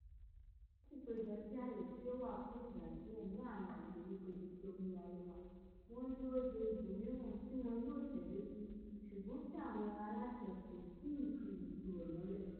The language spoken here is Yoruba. Àwọn yòókù péjò sí àyè tí ó wà fún ìgbà díẹ̀ ní àwọn ìgbèríko ibi tí omíyalé wà, wọ́n ń dúró de ibòmíràn tí wọn yóò tèdó sí ṣùgbọ́n tí àwọn aláṣẹ kò tíì fi ìdí rẹ̀ múlẹ̀.